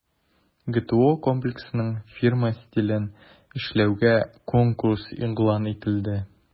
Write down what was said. ГТО Комплексының фирма стилен эшләүгә конкурс игълан ителде.